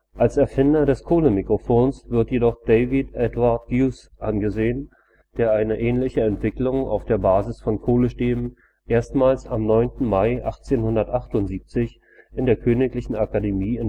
Als Erfinder des Kohlemikrofons wird jedoch David Edward Hughes angesehen, der eine ähnliche Entwicklung auf der Basis von Kohlestäben erstmals am 9. Mai 1878 in der Königlichen Akademie